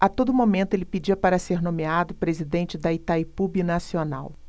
a todo momento ele pedia para ser nomeado presidente de itaipu binacional